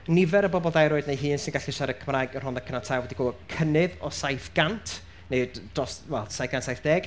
nifer y bobl dair oed neu hŷn sy'n gallu siarad Cymraeg yn Rhondda Cynon Taf wedi gweld cynnydd o saith gant neu d- dros... wel saith cant saith deg.